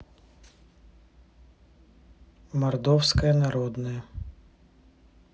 мордовская народная